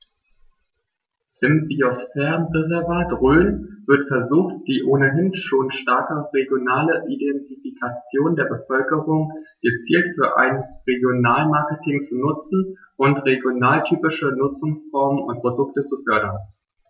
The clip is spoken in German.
Im Biosphärenreservat Rhön wird versucht, die ohnehin schon starke regionale Identifikation der Bevölkerung gezielt für ein Regionalmarketing zu nutzen und regionaltypische Nutzungsformen und Produkte zu fördern.